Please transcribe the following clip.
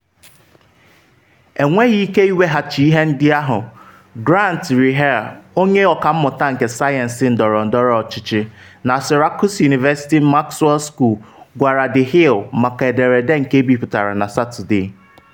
Enweghị ike iweghachi ihe ndị ahụ,” Grant Reeher, onye ọkammụta nke sayensị ndọrọndọrọ ọchịchị na Syracuse University Maxwell School gwara The Hill maka ederede nke ebiputara na Satọde.